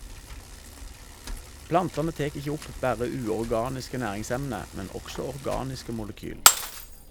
Plantane tek ikkje opp berre uorganiske næringsemne, men også organiske molekyl.